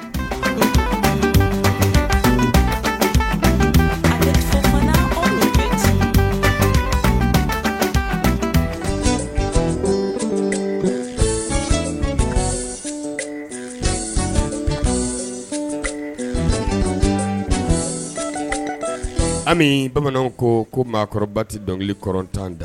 Ami bɛ bamananw ko ko maa kɔrɔba tɛ dɔnkili kɔrɔtan da